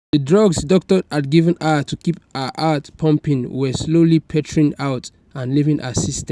The drugs doctors had given her to keep her heart pumping were slowly petering out and leaving her system.